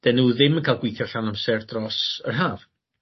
'dyn nw ddim yn ca'l gwithio llawn amser dros yr haf.